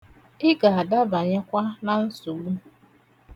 Ị ga-adabanyekwa na nsogbu.